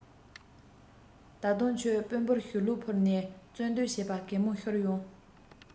ད དུང ཁྱོད དཔོན པོར ཞུ ལོག ཕུལ ནས རྩོད འདོད བྱེད པ གད མོ ཤོར ཡོང